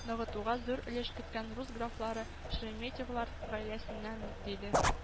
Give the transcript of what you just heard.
Ныгытуга зур өлеш керткән рус графлары шереметевлар гаиләсеннән, — диде